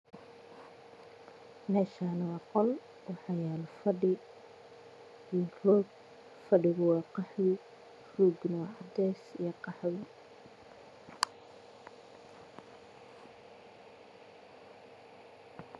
Meeshaan wa qol waxaa yaalo fadhi iyo roog fadhiga kalarkiisu waa qaxwi roogane waa cadees iyo qaxwi